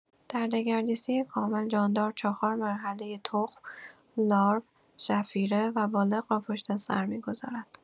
در دگردیسی کامل، جاندار چهار مرحله تخم، لارو، شفیره و بالغ را پشت‌سر می‌گذارد.